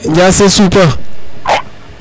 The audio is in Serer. NJase Supa